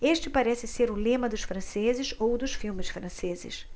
este parece ser o lema dos franceses ou dos filmes franceses